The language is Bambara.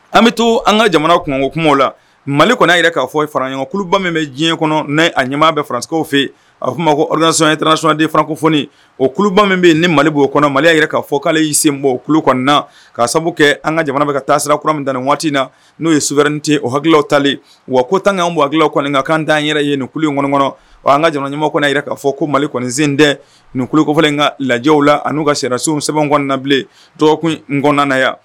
An bɛ to an ka jamana kun o kuma la mali kɔnɔ yɛrɛ k kaa fɔ fara ɲɔgɔnba min bɛ diɲɛ kɔnɔ n a ɲɛmaa bɛ farasiw fɛ a kuma ma rsonye tsonaden farako kunnafoni oba min bɛ nin mali bɔ oo kɔnɔ mali yɛrɛ ka fɔ k'ale y'i sen bɔ o kulu kɔnɔna na kaa sababu kɛ an ka jamana bɛ ka taasira kura min da waati in na n'o ye su wɛrɛin ten o hakillaw ta wa ko tan an bulaw kɔni ka kan da an yɛrɛ ye nin ku in kɔnɔ wa an ka jamana ɲuman kɔnɔ yɛrɛ k ka fɔ ko mali kɔni sen dɛ ninkɔ kɔfɛ in ka lajɛw la ani n'u ka seraso sɛbɛn kɔnɔna na bilen dɔgɔkun n kɔnnan naya